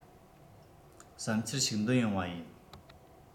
བསམ འཆར ཞིག འདོན ཡོང པ ཡིན